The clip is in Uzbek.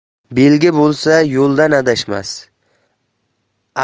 belgi bo'lsa yo'ldan